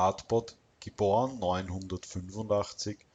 Radbot (* 985